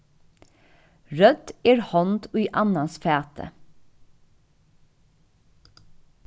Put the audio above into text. rødd er hond í annans fati